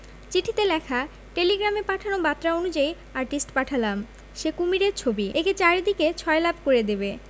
চিঠিতে লেখা টেলিগ্রামে পাঠানো বাত অনুযায়ী আর্টিস্ট পাঠালাম সে কুমীরের ছবি একে চারদিকে ছয়লাপ করে দেবে